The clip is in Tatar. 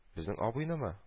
Безнең абыйнымы